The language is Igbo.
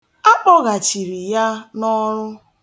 A kpọghachiri ya n'ọrụ.